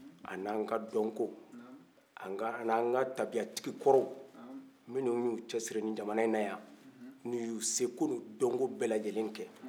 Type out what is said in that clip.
ani an ka dɔnko an kaani an ka tabiya tigi kɔrɔw minnu yu cɛ siri ni jamanayin na yan ni u yu seko nu dɔnko bɛlajɛlen kɛ